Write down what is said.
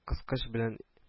Кыскыч белән